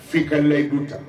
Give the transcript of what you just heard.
Fi ka layikun ta